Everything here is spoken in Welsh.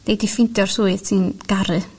nei di ffindio'r swydd ti'n garu